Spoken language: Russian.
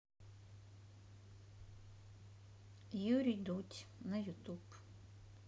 юрий дудь на ютуб